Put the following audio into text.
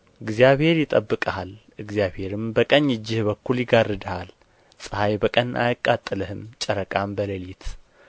እግዚአብሔርም በቀኝ እጅህ በኩል ይጋርድሃል ፀሐይ በቀን አያቃጥልህም ጨረቃም በሌሊት